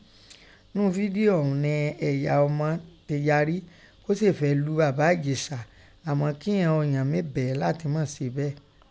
Ńnú fidio ọ́ún nẹ ẹ̀ya ọmọ tẹ yari, kó sèè fẹ́ẹ́ lu Baba Ìjìsa amọ ki ìgbọn ọ̀ǹyàn mí bẹ̀ẹ́ latin mọ́ se bẹ́ẹ̀.